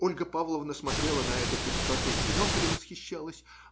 Ольга Павловна смотрела на эту пестроту в бинокль и восхищалась.